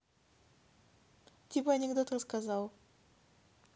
типа анекдот рассказал